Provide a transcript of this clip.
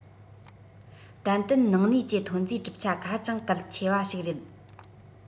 ཏན ཏན ནང གནས ཀྱི ཐོན རྫས གྲུབ ཆ ཧ ཅང གལ ཆེ བ ཞིག རེད